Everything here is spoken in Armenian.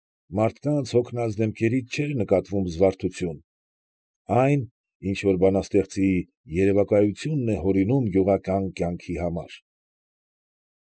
Մարդկանց հոգնած դեմքից չէր նկատվում զվարթություն, այն, ինչ որ բանաստեղծի երևակայությունն է հորինում գյուղական կյանքի համար։